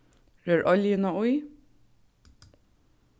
rør oljuna í